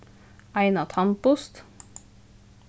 eina tannbust